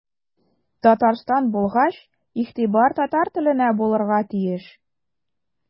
Татарстан булгач игътибар татар теленә булырга тиеш.